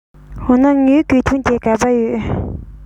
འོ ན ངའི གོས ཐུང དེ ག པར ཡོད